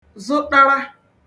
zụṭara